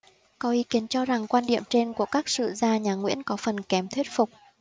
có ý kiến cho rằng quan điểm trên của các sử gia nhà nguyễn có phần kém thuyết phục